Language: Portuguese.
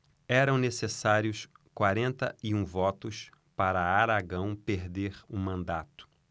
eram necessários quarenta e um votos para aragão perder o mandato